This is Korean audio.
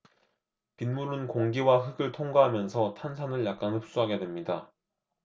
빗물은 공기와 흙을 통과하면서 탄산을 약간 흡수하게 됩니다